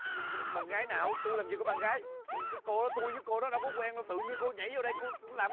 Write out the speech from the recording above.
bạn gái nào tôi làm gì có bạn gái cái cô đó tôi với cô đó đâu có quen đâu tự nhiên cổ nhảy dô đây cô làm